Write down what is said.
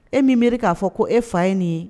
E miniriri k'a fɔ ko e fa ye nin ye